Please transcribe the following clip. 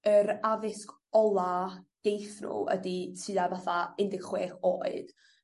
yr addysg ola geith n'w ydi tua fatha un de' chwech oed.